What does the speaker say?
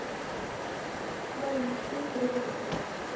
новый мультфильм три богатыря